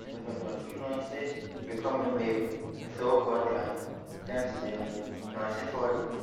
1995: Willkommen im Leben (My So-Called Life, Fernsehserie, 19 Folgen